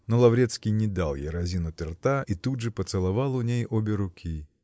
но Лаврецкий не дал ей разинуть рта и тут же поцеловал у ней обе руки.